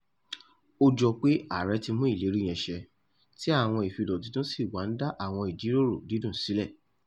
Ó jọ pé ààrẹ ti mú ìlérí yẹn ṣẹ, tí àwọn ìfilọ̀ tuntun sì wá ń dá àwọn ìjíròrò dídùn sílẹ̀.